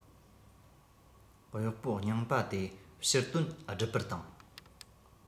གཡོག པོ རྙིང པ དེ ཕྱིར དོན སྒྲུབ པར བཏང